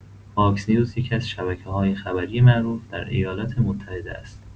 فاکس‌نیوز یکی‌از شبکه‌های خبری معروف در ایالات‌متحده است.